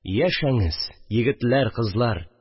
Яшәңез, егетләр, кызлар